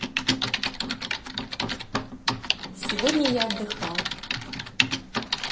сегодня я отдыхал